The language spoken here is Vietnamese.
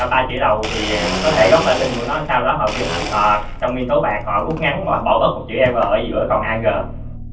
ba chữ đầu thì có thể gốc la tinh của nó thì sao đó họ việt họ trong nguyên tố bạc họ rút ngắn bỏ bỏ bớt một chữ e rờ ở giữa còn a gờ